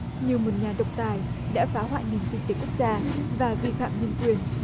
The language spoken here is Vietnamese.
như một nhà độc tài đã phá hoại nền kinh tế quốc gia và vi phạm nhân quyền